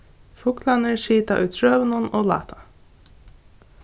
fuglarnir sita í trøunum og láta